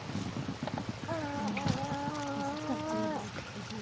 оставьте нас